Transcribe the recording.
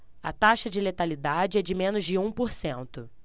a taxa de letalidade é de menos de um por cento